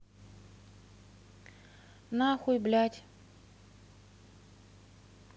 на хуй блядь